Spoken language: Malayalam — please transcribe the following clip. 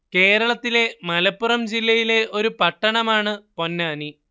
കേരളത്തിലെ മലപ്പുറം ജില്ലയിലെ ഒരു പട്ടണമാണ് പൊന്നാനി